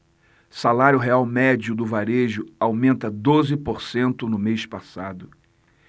salário real médio do varejo aumenta doze por cento no mês passado